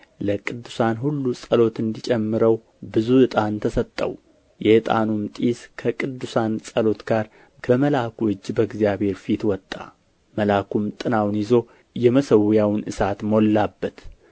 ለቅዱሳን ሁሉ ጸሎት እንዲጨምረው ብዙ ዕጣን ተሰጠው የዕጣኑም ጢስ ከቅዱሳን ጸሎት ጋር ከመልአኩ እጅ በእግዚአብሔር ፊት ወጣ መልአኩም ጥናውን ይዞ የመሰዊያውን እሳት ሞላበት